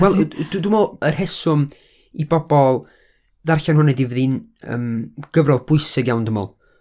Wel, dw- dwi'n meddwl, y rheswm i bobl ddarllen hwn ydi fydd hi'n, yym, gyfrol bwysig iawn, dwi'n meddwl.